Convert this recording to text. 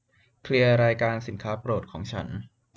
เคลียร์รายการสินค้าโปรดของฉัน